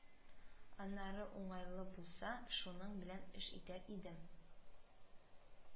Аннары уңайлы булса, шуның белән эш итәр идем